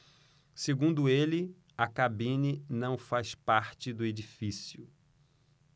segundo ele a cabine não faz parte do edifício